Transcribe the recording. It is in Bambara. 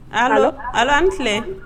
Ayiwa ala an tile